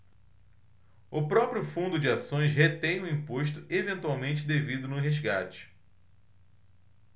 o próprio fundo de ações retém o imposto eventualmente devido no resgate